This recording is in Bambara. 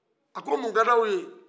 a ko mun ka di aw ye